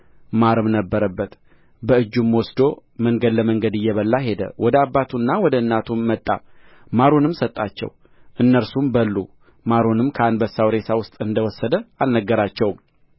ማርም ነበረበት በእጁም ወስዶ መንገድ ለመንገድ እየበላ ሄደ ወደ አባቱና ወደ እናቱ መጣ ማሩንም ሰጣቸው እነርሱም በሉ ማሩንም ከአንበሳው ሬሳ ውስጥ እንደ ወሰደ አልነገራቸውም